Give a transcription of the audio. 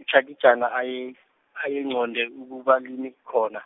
uChakijana aye- ayeqonde ukuba lime khona.